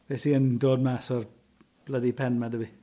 Be sy yn dod mas o'r bloody pen 'ma 'da fi.